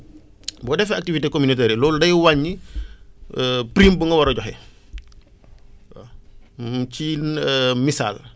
boo defee activité communautaires yi loolu day wàññi prime bu nga war a joxe waaw ci misaal